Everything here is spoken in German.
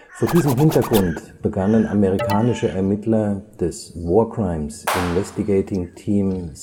Vor diesem Hintergrund begannen amerikanische Ermittler des War Crimes Investigating Team 6822